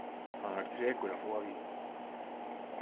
hann var trekur at fáa við